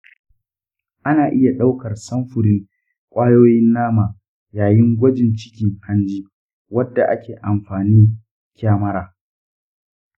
ana iya daukar samfuran kwayoyin nama yayin gwajin cikin hanji wanda ake amfani kyamara.